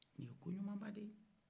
nin ye ko ɲumanba de ye